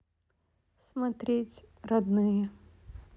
смотреть родные